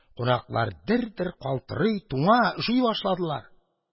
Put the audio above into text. Кунаклар дер-дер калтырый, туңа, өши башладылар.